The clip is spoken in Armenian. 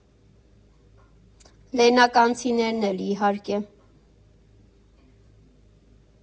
Լեննագանցիներն էլ, իհարկե։